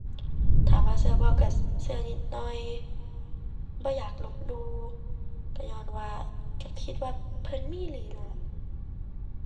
ถามว่าเชื่อบ่เชื่อเชื่อนิดหน่อย บ่อยากลบหลู่เชื่อญ้อนว่า เชื่อคิดว่าเพิ่นมีอีหลีนั่นล่ะ